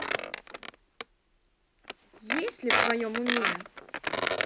есть ли в твоем уме